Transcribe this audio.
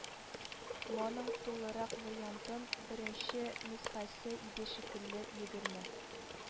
Маның тулырак вариантын беренче нөсхәсе иде шикелле егерме